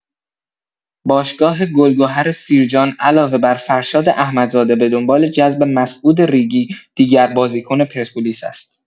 باشگاه گل‌گهر سیرجان علاوه بر فرشاد احمدزاده به دنبال جذب مسعود ریگی، دیگر بازیکن پرسپولیس است.